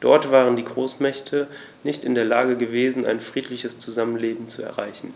Dort waren die Großmächte nicht in der Lage gewesen, ein friedliches Zusammenleben zu erreichen.